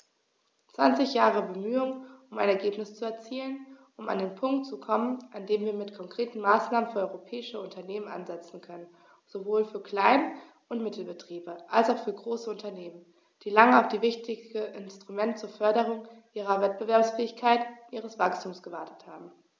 Zwanzig Jahre Bemühungen, um ein Ergebnis zu erzielen, um an den Punkt zu kommen, an dem wir mit konkreten Maßnahmen für europäische Unternehmen ansetzen können, sowohl für Klein- und Mittelbetriebe als auch für große Unternehmen, die lange auf dieses wichtige Instrument zur Förderung ihrer Wettbewerbsfähigkeit und ihres Wachstums gewartet haben.